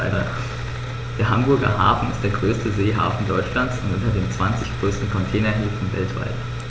Der Hamburger Hafen ist der größte Seehafen Deutschlands und unter den zwanzig größten Containerhäfen weltweit.